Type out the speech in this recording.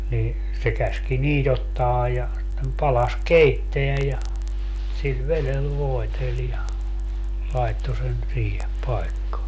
niin se käski niitä ottaa ja sitten padassa keittää ja sillä vedellä voiteli ja laittoi sen siihen paikkaan